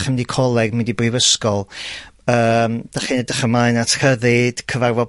dych ci mynd i coleg, mynd i brifysgol yym dych chi edrych ymlaen at rhyddid cyfarfod